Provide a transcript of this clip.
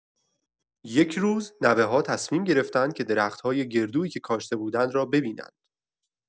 یک روز، نوه‌ها تصمیم گرفتند که درخت‌های گردویی که کاشته بودند را ببینند.